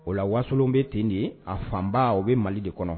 O la Wasolon be ten de a fanbaa o bɛ Mali de kɔnɔ